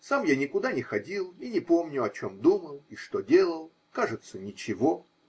Сам я никуда не ходил и не помню, о чем думал и что делал; кажется, ничего.